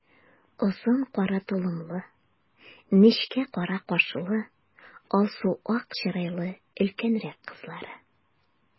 Озын кара толымлы, нечкә кара кашлы, алсу-ак чырайлы өлкәнрәк кызлары.